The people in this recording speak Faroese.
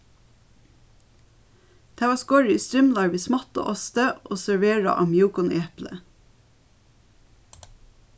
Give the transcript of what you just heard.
tað var skorið í strimlar við smáttuosti og serverað á mjúkum epli